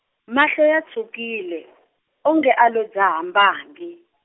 mahlo ya tshwukile , o nge a lo dzaha mbangi.